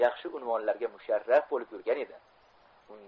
yaxshi unvonlarga musharraf bo'lib yurganda edi